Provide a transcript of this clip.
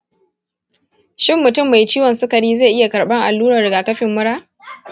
shin mutum mai ciwon sukari zai iya karɓar allurar rigakafin mura?